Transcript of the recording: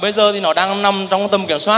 bây giờ thì nó đang nằm trong tầm kiểm soát